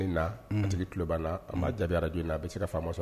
In na unhun a tigi tulob'an na an m'a jaabi radio in na a bɛ tise ka faama sɔ